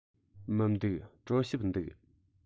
མི འདུག གྲོ ཞིབ འདུག